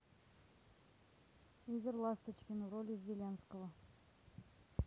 игорь ласточкин в роли зеленского